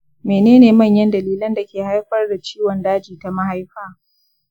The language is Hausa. menene manyan dalilan da ke haifar da ciwon daji ta mahaifa?